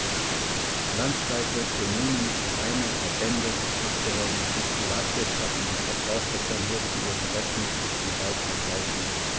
Landkreise, Kommunen, Vereine, Verbände, Fachbehörden, die Privatwirtschaft und die Verbraucher sollen hierzu ihren bestmöglichen Beitrag leisten.